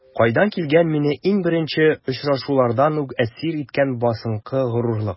Кайдан килгән мине иң беренче очрашулардан үк әсир иткән басынкы горурлык?